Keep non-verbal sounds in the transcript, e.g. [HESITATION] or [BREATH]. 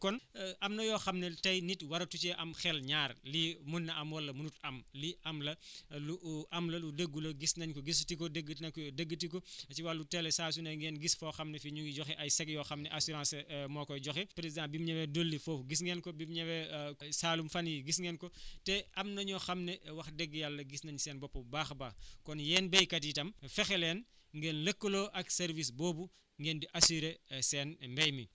kon am na yoo xam ne tey waratu cee am xel ñaar lii mun na am wala munut am lii am la [BREATH] lu am la lu dëggu la gis nañ ko gisati ko déggati nañ ko déggati ko [BREATH] si wàllu télé saa su ne ngeen gis foo xam ne fii ñu ngi joxe ay chèques yoo xam ne assurance [HESITATION] moo koy joxe président bi mu ñëwee Doli foofu gis ngeen ko bi mu ñëwee [HESITATION] Saalum fan yii gis ngeen ko [BREATH] te am na ñoo xam ne wax dëgg yàlla gis nañ seen bopp bu baax a baax kon yéen béykat yi tam fexe leen ngeen lëkkaloo ak service boobu ngeen di assurer seen mbéy mi